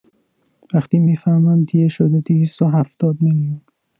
وقتی می‌فهمم دیه شده ۲۷۰ میلیون